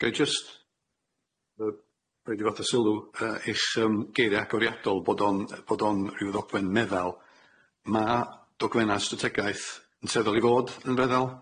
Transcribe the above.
Ga'i jyst yy roid i fo' at y sylw yy eich yym geirie agoriadol bod o'n yy bod o'n ryw ddogfen meddal ma' dogfenna' strategaeth yn tueddol i fod yn feddal?